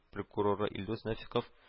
Прокуроры илдус нәфыйков